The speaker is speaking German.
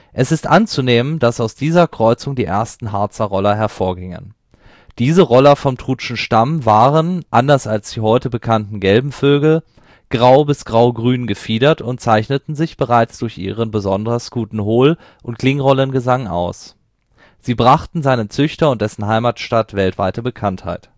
Es ist anzunehmen, dass aus dieser Kreuzung die ersten Harzer Roller hervorgingen. Diese Roller vom „ Trutschen Stamm “waren, anders als die heute bekannten gelben Vögel, grau bis grau-grün gefiedert und zeichneten sich bereits durch ihren besonders guten Hohl - und Klingrollengesang aus. Sie brachten seinem Züchter und dessen Heimatstadt weltweite Bekanntheit